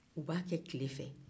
u b'a kɛ tile fɛ